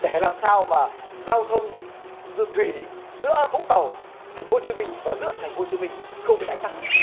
để làm sao mà giao thông giữa thủy giữa vũng tàu thành phố hồ chí minh và giữa thành phố hồ chí minh không bị ách tắc